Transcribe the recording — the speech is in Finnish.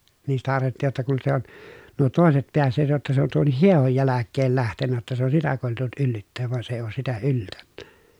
niin sitä arveltiin jotta kun se on nuo toiset päässeet jotta se on tuonkin hiehon jälkeen lähtenyt jotta se on sitä koetellut yllyttää vaan se ei ole sitä yltänyt